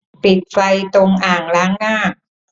ปิดไฟตรงอ่างล้างหน้า